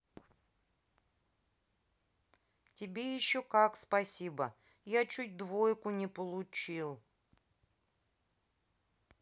тебе еще как спасибо я чуть двойку не получил